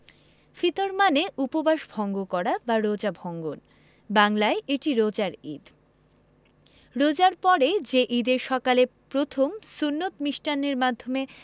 ফিতর মানে উপবাস ভঙ্গ করা বা রোজা ভঙ্গন বাংলায় এটি রোজার ঈদ রোজার পরে যে ঈদের সকালে প্রথম সুন্নত মিষ্টান্নের মাধ্যমে